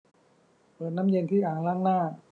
เปิดน้ำเย็นที่อ่างล้างหน้า